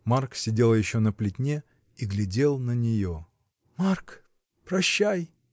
Марк сидел еще на плетне и глядел на нее. — Марк, прощай!